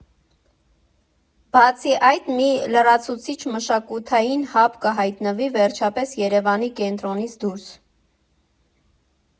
Բացի այդ, մի լրացուցիչ մշակութային հաբ կհայտնվի վերջապես Երևանի կենտրոնից դուրս։